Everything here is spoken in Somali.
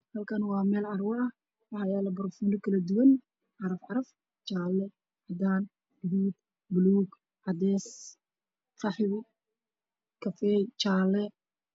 Halkaan waa meel carwo ah waxaa yaalo baraafuuno kale duwan sida jaale, cadaan, gaduud, buluug iyo cadeys, qaxwi iyo kafay.